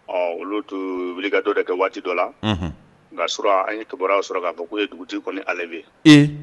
ɔɔ olu tun wulikajɔ dɔ kɛ waati dɔ la, unhun, nka sura an ye kibaruya sɔrɔ k'a fɔ k'u ye dugutigi kɔni enlevé e